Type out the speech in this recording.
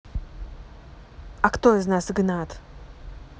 а кто из нас игнат